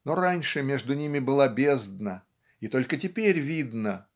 но раньше между ними была бездна и только теперь видно